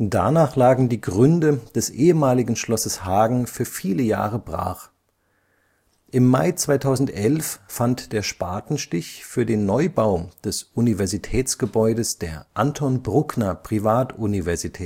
Danach lagen die Gründe des ehemaligen Schlosses Hagen für viele Jahre brach. Im Mai 2011 fand der Spatenstich für den Neubau des Universitätsgebäudes der Anton Bruckner Privatuniversität